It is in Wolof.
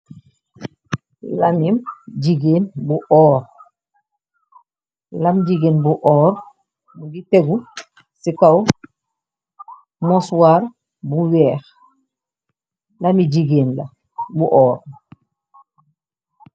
Lami jigéen bu oor, lam jigéen bu oor ngi tegu ci kaw musware bu weex, lami jigéen la bu oor.